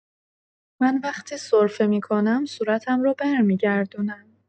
من وقتی سرفه می‌کنم صورتم رو برمی‌گردونم.